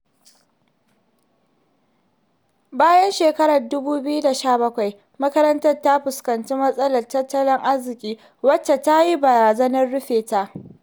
Bayan shekarar 2017, makarantar ta fuskanci matsalar tattalin arziƙi wacce ta yi barazanar rufe ta.